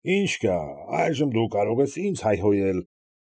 Ի՞նչ կա. այժմ դու կարող ես ինձ հայհոյել։